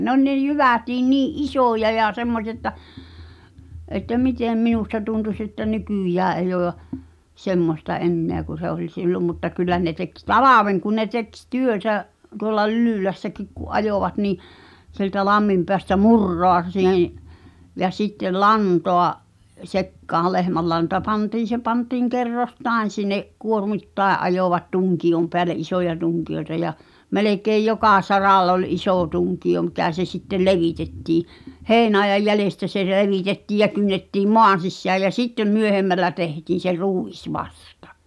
ne oli ne jyvätkin niin isoja ja semmoisia että että miten minusta tuntuisi että nykyään ei ole ja semmoista enää kuin se oli silloin mutta kyllä ne teki talven kun ne teki - työtä tuolla Lylylässäkin kun ajoivat niin sieltä lamminpäästä muraa sihen ja sitten lantaa sekaan lehmänlanta pantiin se pantiin kerroksittain sinne kuormittain ajoivat tunkion päälle isoja tunkioita ja melkein joka saralla oli iso tunkio mikä se sitten levitettiin heinäajan jäljestä se levitettiin ja kynnettiin maan sisään ja sitten myöhemmällä tehtiin se ruis vasta